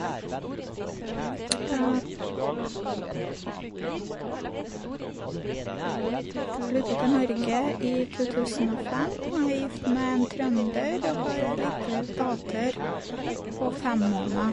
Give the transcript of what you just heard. Flyttet til Norge i to tusen og fem, og jeg er gift med en trønder og har ei lita datter på fem måneder.